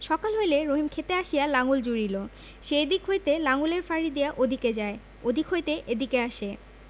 সকাল হইলে রহিম ক্ষেতে আসিয়া লাঙল জুড়িল সে এদিক হইতে লাঙলের ফাড়ি দিয়া ওদিকে যায় ওদিক হইতে এদিকে আসে